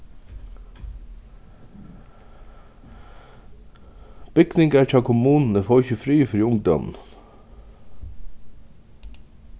bygningar hjá kommununi fáa ikki frið fyri ungdóminum